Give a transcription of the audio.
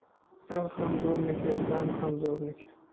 zar ham zo'rniki zan ham zo'rniki